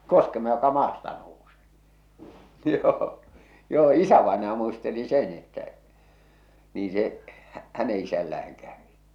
koskema joka maasta nousee joo joo isävainaja muisteli sen että niin se - hänen isällään kävi